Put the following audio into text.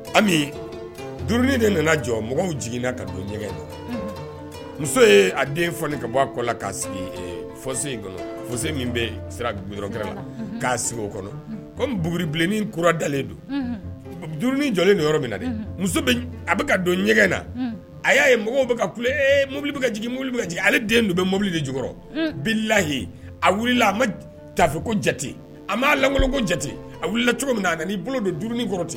Ami du de nana jɔ mɔgɔw jiginna ka don ɲɛgɛn in muso ye a den fɔ ka bɔ a kɔ la k'a sigi in fo min bɛ sira ma k'a sigi o kɔnɔ ko bribilenin kura dalenlen don du jɔlen yɔrɔ min na muso a bɛka ka don ɲɛgɛn in na a y'a ye mɔgɔw bɛ ka ku e mobili bɛj mobili ale den dun bɛ mobili de ju bilayi a wulila a ma tafeko jate a ma'a lankolon ko jate a wulila cogo min na a'i bolo don duuni kɔrɔ ten